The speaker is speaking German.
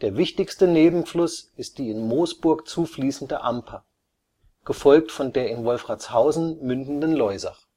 wichtigste Nebenfluss ist die in Moosburg zufließende Amper, gefolgt von der in Wolfratshausen mündenden Loisach